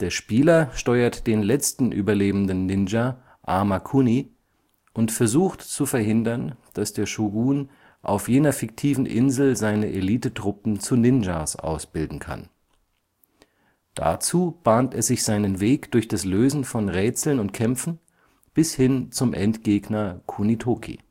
Spieler steuert den letzten überlebenden Ninja Armakuni und versucht zu verhindern, dass der Shogun auf jener fiktiven Insel seine Elitetruppen zu Ninjas ausbilden kann. Dazu bahnt er sich seinen Weg durch das Lösen von Rätseln und Kämpfen, bis hin zum Endgegner Kunitoki